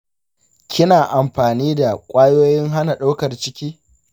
kina amfani da kwayoyin hana daukar ciki?